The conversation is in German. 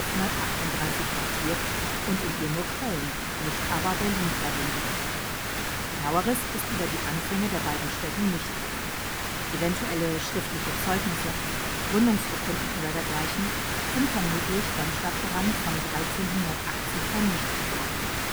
1238 datiert und in ihr nur Cölln, nicht aber Berlin erwähnt wird. Genaueres ist über die Anfänge der beiden Städte nicht bekannt, eventuelle schriftliche Zeugnisse – Gründungsurkunden oder dergleichen – sind vermutlich beim Stadtbrand von 1380 vernichtet worden